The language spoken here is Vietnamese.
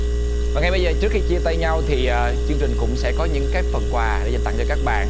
và ngay bây giờ trước khi chia tay nhau thì chương trình cũng sẽ có những cái phần quà để dành tặng cho các bạn